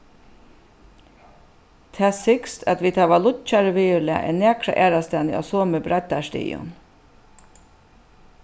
tað sigst at vit hava lýggjari veðurlag enn nakra aðrastaðni á somu breiddarstigum